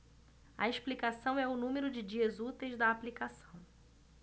a explicação é o número de dias úteis da aplicação